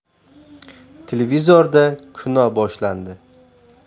televizorda kino boshlandi